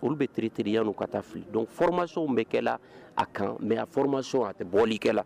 Olu bɛtiritiriya u ka taa fili dɔn fmaw bɛ kɛ a kan mɛ fɔrɔma sɔn a tɛ bɔli kɛ la